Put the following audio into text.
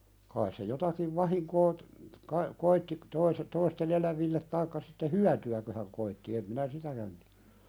kai se jotakin vahinkoa kai koetti toisen toisten eläville tai sitten hyötyäkö hän koetti en minä sitäkään tiedä